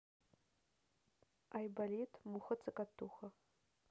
айболит муха цокотуха